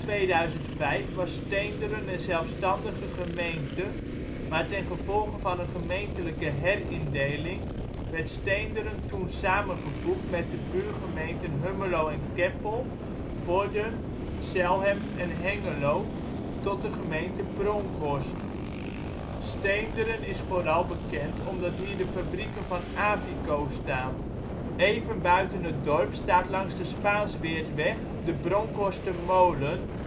2005 was Steenderen een zelfstandige gemeente, maar ten gevolge van een gemeentelijke herindeling werd Steenderen toen samengevoegd met de buurgemeenten Hummelo en Keppel, Vorden, Zelhem en Hengelo tot de gemeente Bronckhorst. Steenderen is vooral bekend omdat hier de fabrieken van de Aviko staan. Even buiten het dorp staat langs de Spaensweertweg de Bronkhorster Molen